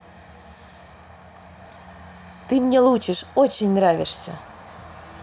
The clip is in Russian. ты мне лучишь очень нравишься